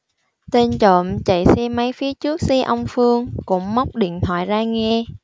tên trộm chạy xe máy phía trước xe ông phương cũng móc điện thoại ra nghe